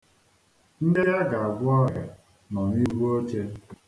Ndị a ga-agwọ ọrịa nọ n'ihu oche.